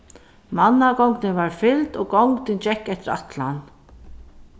mannagongdin var fylgd og gongdin gekk eftir ætlan